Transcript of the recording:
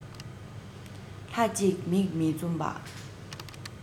ལྷ ཅིག མིག མི འཛུམ པ